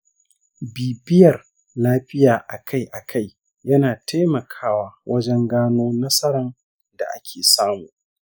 bibiyar lafiya akai akai yana taimakawa wajen gano nasaran da ake samu.